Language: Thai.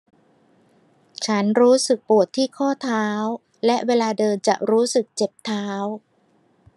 ฉันรู้สึกปวดที่ข้อเท้าและเวลาเดินจะรู้สึกเจ็บเท้า